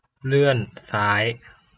เลื่อนซ้าย